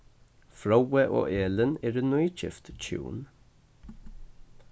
fróði og elin eru nýgift hjún